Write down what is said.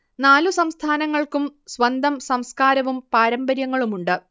നാലു സംസ്ഥാനങ്ങൾക്കും സ്വന്തം സംസ്കാരവും പാരമ്പര്യങ്ങളുമുണ്ട്